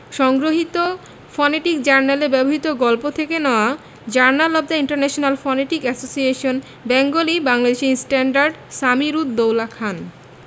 সংগ্রহীত ফনেটিক জার্নালে ব্যবহিত গল্প থেকে নেওয়া journal of the international phonetic association Bengali Bangladeshi standard Samir ud Doula Khan